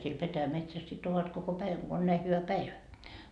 siellä petäjämetsässä sitten ovat koko päivän kun on näin hyvä päivä